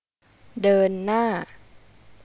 เดินหน้า